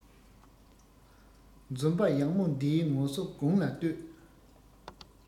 འཛོམས པ ཡག མོ འདིའི ངོ སོ དགུང ལ བསྟོད